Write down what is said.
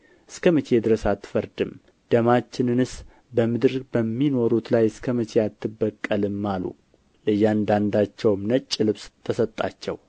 እስከ መቼ ድረስ አትፈርድም ደማችንንስ በምድር በሚኖሩት ላይ እስከ መቼ አትበቀልም አሉ ለእያንዳንዳቸውም ነጭ ልብስ ተሰጣቸው